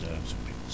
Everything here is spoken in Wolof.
day am soppeeku